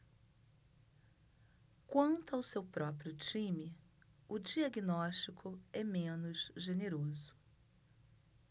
quanto ao seu próprio time o diagnóstico é menos generoso